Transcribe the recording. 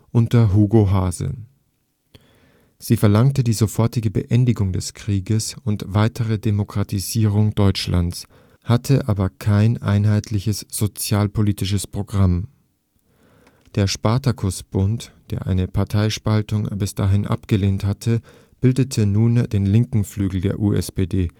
unter Hugo Haase. Sie verlangte die sofortige Beendigung des Krieges und die weitere Demokratisierung Deutschlands, hatte aber kein einheitliches sozialpolitisches Programm. Der Spartakusbund, der eine Parteispaltung bis dahin abgelehnt hatte, bildete nun den linken Flügel der USPD